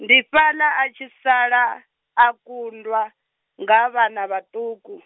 ndi fhaḽa a tshi sala, a kundwa, nga vhana vhaṱuku.